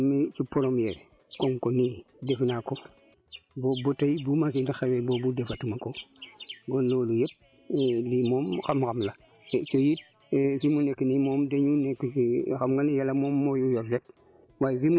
ndax man mii si premier comme que lii def naa ko boobu ba tey bu machine taxawee boobu defatuma ko kon loolu yëpp lii moom xam-xam la te it fi mu nekk nii moom dañu nekk fii nga xam nga ni yàlla moom moo yor lépp